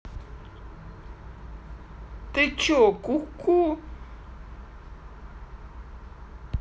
ты че куку